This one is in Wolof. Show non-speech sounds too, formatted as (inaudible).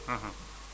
(hesitation) (hesitation)